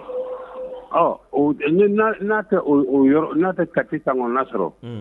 Ɔ, n'a n'a tɛ o yɔrɔ sɔrɔ k'a tɛ kati kan kɔnɔna sɔrɔ